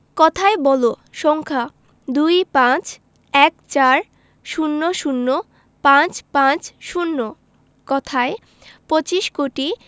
কথায় বলঃ সংখ্যাঃ ২৫ ১৪ ০০ ৫৫০ কথায়ঃ পঁচিশ কোটি